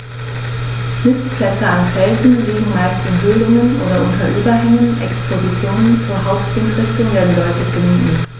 Nistplätze an Felsen liegen meist in Höhlungen oder unter Überhängen, Expositionen zur Hauptwindrichtung werden deutlich gemieden.